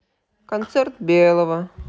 концерт белого